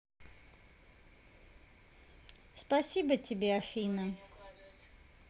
спасибо тебе афина